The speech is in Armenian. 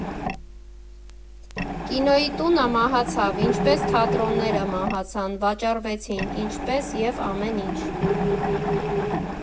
Կինոյի տունը մահացավ, ինչպես թատրոնները մահացան, վաճառվեցին՝ ինչպես և ամեն ինչ։